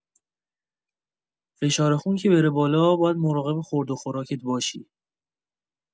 فشارخون که بره بالا، باید مراقب خورد و خوراکت باشی.